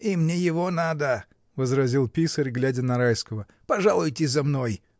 — Им не его надо, — возразил писарь, глядя на Райского, — пожалуйте за мной!